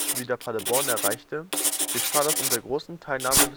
wieder Paderborn erreichte, geschah das unter großer Teilnahme des